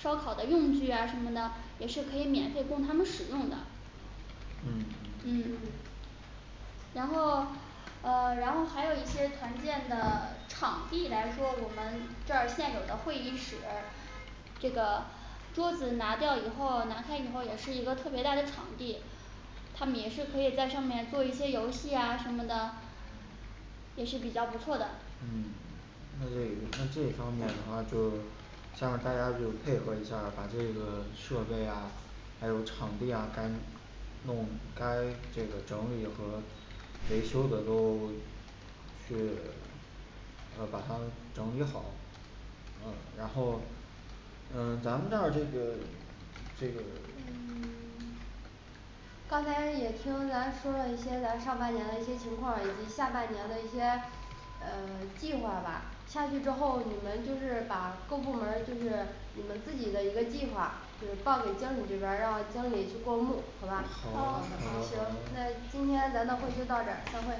烧烤的用具啊什么的，也是可以免费供他们使用的嗯嗯嗯然后呃然后还有一些团建的场地来说，我们这儿现有的会议室这个桌子拿掉以后，拿开以后也是一个特别大的场地他们也是可以在上面做一些游戏啊什么的也是比较不错的。嗯那这个那这方面的话就下面儿大家就配合一下儿，把这个设备啊还有场地啊，该弄该这个整理和维修的都 去 呃把它整理好嗯然后嗯咱们这儿这个这个&嗯&刚才也听咱说了一些咱上半年的一些情况以及下半年的一些嗯 计划吧下去之后，你们就是把各部门儿就是你们自己的一个计划就是报给经理这边儿，让经理去过目，好吧？好好好的行好好的那行今天咱这会就到这儿散会，